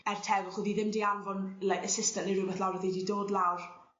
er tegwch o'dd 'i ddim 'di anfon like assistant ne' rwbeth lawr o'dd 'i 'di dod lawr